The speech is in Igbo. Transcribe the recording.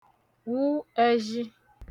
wụ ẹzhi